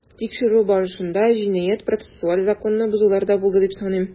Тикшерү барышында җинаять-процессуаль законны бозулар да булды дип саныйм.